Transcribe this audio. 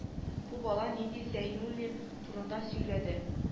Бу бала нинди зәйнуллин турында сөйләде